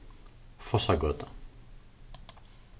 fossagøta